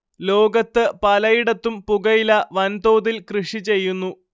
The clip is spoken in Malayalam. ലോകത്തു പലയിടത്തും പുകയില വൻതോതിൽ കൃഷി ചെയ്യുന്നു